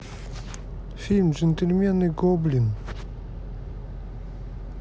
фильм джентльмены гоблин